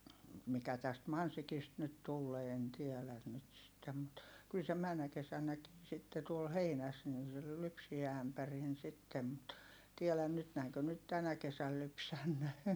mikä tästä Mansikista nyt tulee en tiedä nyt sitten mutta kyllä se menneenä kesänäkin sitten tuolla heinässä niin se - lypsi ämpärin sitten mutta tiedä nyt näinkö nyt tänä kesänä lypsänee